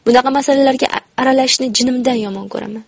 bunaqa masalalarga aralashishni jinimdan yomon ko'raman